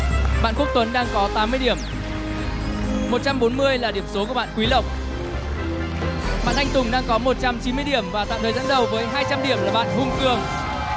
bạn quốc tuấn đang có tám mươi điểm một trăm bốn mươi là điểm số của bạn quý lộc bạn anh tùng đang có một trăm chín mươi điểm và tạm thời dẫn đầu với hai trăm điểm là bạn hùng cường